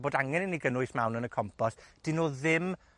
bod angen i ni gynnwys mawn yn y compost, 'dyn nw ddim